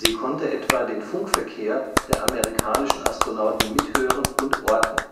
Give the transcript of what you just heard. konnte etwa den Funkverkehr der amerikanischen Astronauten mithören und orten